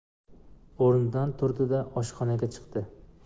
o'rnidan turdida oshxonaga chiqdi